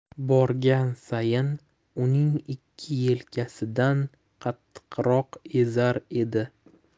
borgan sayin uning ikki yelkasidan qattiqroq ezar edi